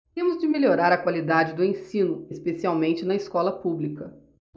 temos de melhorar a qualidade do ensino especialmente na escola pública